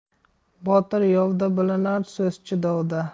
botir yovda bilinar so'zchi dovda